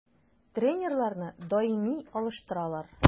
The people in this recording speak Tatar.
Тренерларны даими алыштыралар.